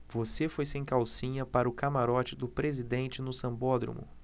você foi sem calcinha para o camarote do presidente no sambódromo